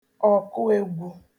ọ̀kụegwu